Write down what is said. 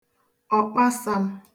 ọ̀kpasām